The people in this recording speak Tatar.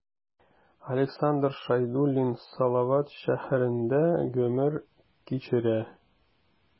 Александр Шәйдуллин Салават шәһәрендә гомер кичерә.